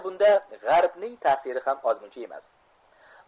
bunda g'arbning ta'siri ham ozmuncha emas